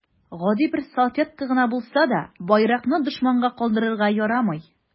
Гади бер салфетка гына булса да, байракны дошманга калдырырга ярамый.